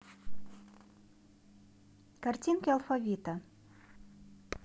картинки алфавита